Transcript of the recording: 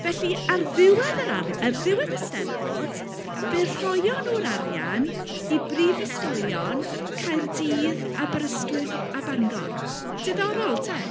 Felly, ar ddiwedd yr ar- ar ddiwedd y Steddfod, fe rhoion nhw'r arian i brifysgolion Caerdydd, Aberystwyth a Bangor, diddorol te,